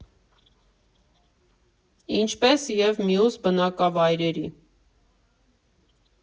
Ինչպես և մյուս բնակավայրերի։